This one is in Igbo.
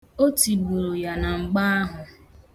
O tigburu ya na mgba ahụ